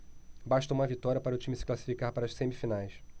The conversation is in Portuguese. basta uma vitória para o time se classificar para as semifinais